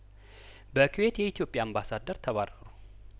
በኩዌት የኢትዮጵያ አምባሳደር ተባረሩ